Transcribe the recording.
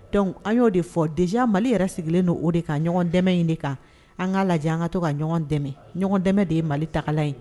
Dɔnku an y'o de fɔ dezya mali yɛrɛ sigilen don o de ka ɲɔgɔn dɛmɛ in de kan an k kaa lajɛ an ka to ka ɲɔgɔn dɛmɛ ɲɔgɔn dɛmɛ de ye mali tagala ye